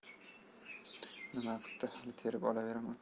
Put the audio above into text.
nima qipti hali terib olaveraman